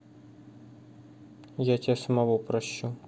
я тебя самого прощу